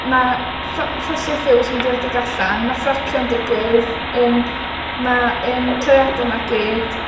ma' fo- fossil fuels mynd i redeg allan ma' ffracio'n digwydd yym ma' yym toriade 'ma gyd